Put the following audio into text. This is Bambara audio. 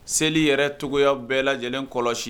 Seli yɛrɛcogogoya bɛɛ lajɛlen kɔlɔsi